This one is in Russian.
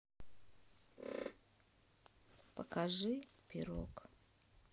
покажи пирог